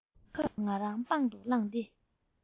ཁོས ང རང པང དུ བླངས ཏེ